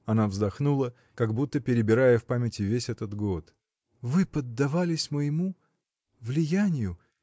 — Она вздохнула, как будто перебирая в памяти весь этот год. — Вы поддавались моему. влиянию.